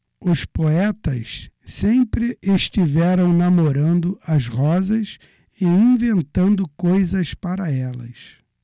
os poetas sempre estiveram namorando as rosas e inventando coisas para elas